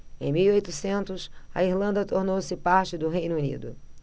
em mil e oitocentos a irlanda tornou-se parte do reino unido